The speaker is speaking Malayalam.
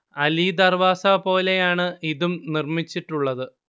അലിദർവാസ പോലെയാണ് ഇതും നിർമിച്ചിട്ടുള്ളത്